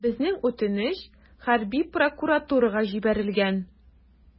Безнең үтенеч хәрби прокуратурага җибәрелгән.